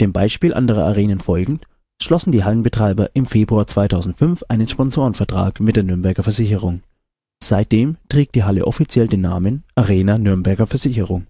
Beispiel anderer Arenen folgend, schlossen die Hallenbetreiber im Februar 2005 einen Sponsorenvertrag mit der Nürnberger Versicherung. Seitdem trägt die Halle offiziell den Namen „ Arena Nürnberger Versicherung